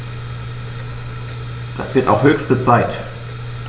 Das wird auch höchste Zeit!